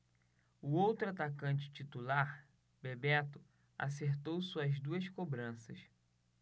o outro atacante titular bebeto acertou suas duas cobranças